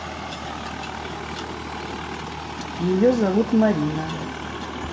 ее зовут марина